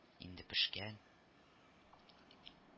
Инде пешкән